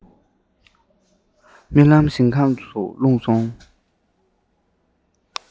རྨི ལམ གྱི ཞིང ཁམས སུ ལྷུང སོང